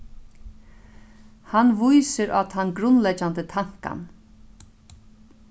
hann vísir á tann grundleggjandi tankan